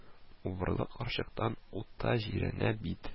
– убырлы карчыктан ут та җирәнә бит